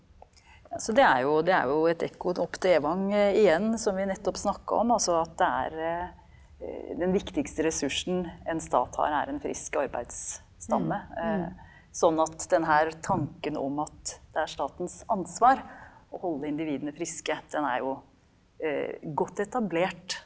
så det er jo det er jo et ekko opp til Evang igjen, som vi nettopp snakka om, at altså at det er den viktigste ressursen en stat har er en frisk arbeidsstamme sånn at den her tanken om at det er statens ansvar å holde individene friske den er jo godt etablert.